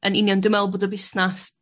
Yn union dwi me'wl bod y busnas